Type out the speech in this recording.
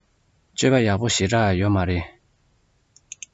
སྤྱོད པ ཡག པོ ཞེ དྲགས ཡོད མ རེད